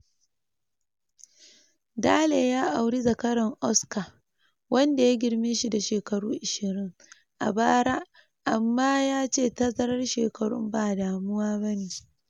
Daley ya auri zakaran Oscar, wanda ya girme shi da shekaru 20, a bara amma ya ce tazarar shekarun ba damuwa bane.